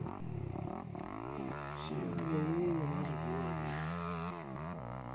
сиреноголовый у нас в городе